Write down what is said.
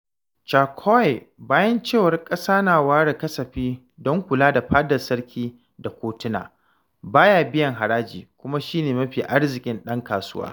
charquaoia: Bayan cewa ƙasa na ware kasafi don kula da fadar sarki da kotuna, ba ya biyan haraji, kuma shi ne mafi arziƙin ɗan kasuwa.